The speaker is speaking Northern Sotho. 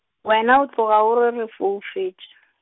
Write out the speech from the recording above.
wena o tloga o re re foufetše.